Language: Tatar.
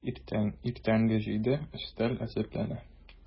Иртәнге җиде, өстәл әзерләнә.